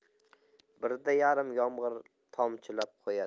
birda yarim yomg'ir tomchilab qo'yadi